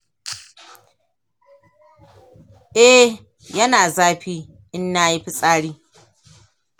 eh, yana zafi in nayi fitsari.